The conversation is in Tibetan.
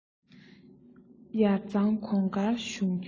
ཡར གཙང གོང དཀར གཞུང བརྒྱུད